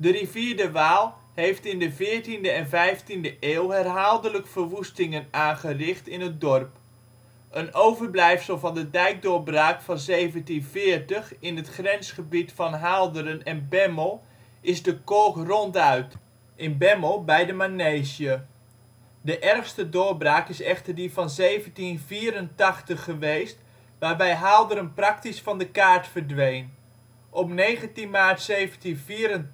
rivier de Waal heeft in de 14e en 15e eeuw herhaaldelijk verwoestingen aangericht in het dorp. Een overblijfsel van de dijkdoorbraak van 1740 in het grensgebied van Haalderen en Bemmel is de kolk Ronduit (in Bemmel bij de manege) het overblijfsel. De ergste doorbraak is echter die van 1784 geweest, waarbij Haalderen praktisch van de kaart verdween. Op 19 maart 1784